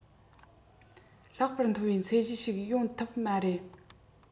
ལྷག པར མཐོ བའི ཚད གཞི ཞིག ཡོང ཐུབ མ རེད